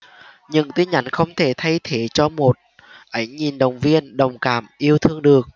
những tin nhắn không thể thay thế cho một ánh nhìn động viên đồng cảm yêu thương được